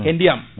e ndiyam